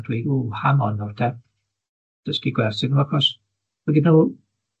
a dweud w hang on nawr ten, dysgu gwers i nw achos ma' gyda nw